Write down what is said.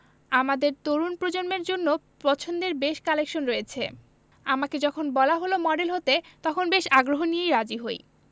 আমাদের তরুণ প্রজন্মের জন্য পছন্দের বেশ কালেকশন রয়েছে আমাকে যখন বলা হলো মডেল হতে তখন বেশ আগ্রহ নিয়েই রাজি হই